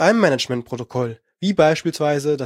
Managementprotokoll wie beispielsweise